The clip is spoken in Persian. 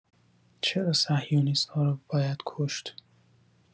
چرا صهیونیست‌ها رو باید کشت؟